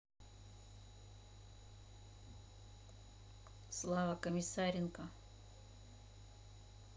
слава комиссаренко